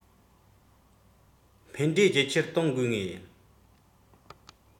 ཕན འབྲས ཇེ ཆེར གཏོང དགོས ངེས ཡིན